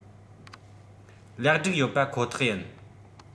ལེགས སྒྲིག ཡོད པ ཁོ ཐག ཡིན